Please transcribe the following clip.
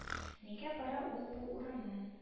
Нигә бара ул бу урамнан